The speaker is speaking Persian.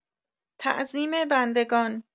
تعظیم بندگان